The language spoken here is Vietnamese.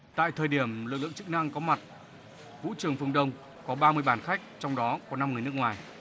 tại thời điểm lực lượng chức năng có mặt vũ trường phương đông có ba mươi bàn khách trong đó có năm người nước ngoài